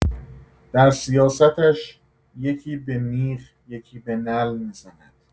در سیاستش یکی به میخ یکی به نعل می‌زند.